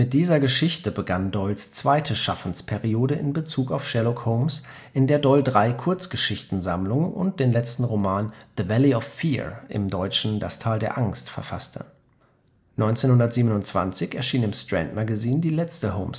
dieser Geschichte begann Doyles zweite Schaffensperiode in Bezug auf Sherlock Holmes, in der Doyle drei Kurzgeschichtensammlungen und den letzten Roman The Valley of Fear (dt.: Das Tal der Angst) verfasste. 1927 erschien im Strand-Magazin die letzte Holmes-Geschichte